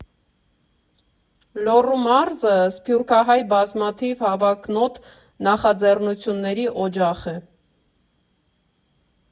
Լոռու մարզը սփյուռքահայ բազմաթիվ հավակնոտ նախաձեռնությունների օջախ է։